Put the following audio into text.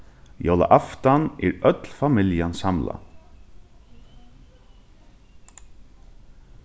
jólaaftan er øll familjan samlað